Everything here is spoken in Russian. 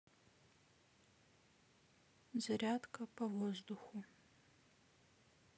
зарядка по воздуху